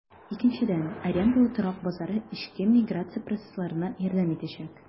Икенчедән, арендалы торак базары эчке миграция процессларына ярдәм итәчәк.